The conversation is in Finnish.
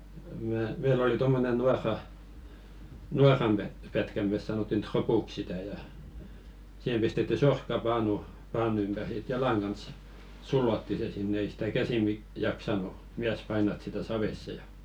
minä meillä oli tuommoinen - nuoran - pätkä me sanottiin tropuksi sitä ja siihen pistetty sorkkapaanu paanu ympäri ja sitten jalan kanssa sullottiin se sinne ei sitä käsi - jaksanut mies painaa sitä saveen ja